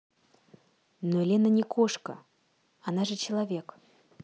но лена не кошка она же человек